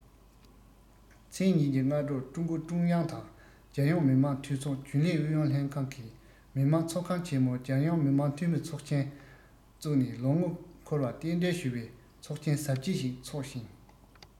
ཚེས ཉིན གྱི སྔ དྲོ ཀྲུང གུང ཀྲུང དབྱང དང རྒྱལ ཡོངས མི དམངས འཐུས ཚོགས རྒྱུན ལས ཨུ ཡོན ལྷན ཁང གིས མི དམངས ཚོགས ཁང ཆེ མོར རྒྱལ ཡོངས མི དམངས འཐུས མི ཚོགས ཆེན བཙུགས ནས ལོ ངོ འཁོར བར རྟེན འབྲེལ ཞུ བའི ཚོགས ཆེན གཟབ རྒྱས ཤིག འཚོགས ཤིང